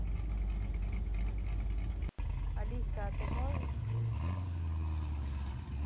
алиса а ты можешь